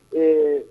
Ee